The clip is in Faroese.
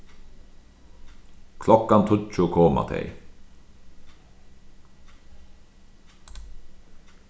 klokkan tíggju koma tey